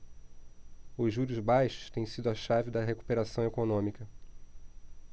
os juros baixos têm sido a chave da recuperação econômica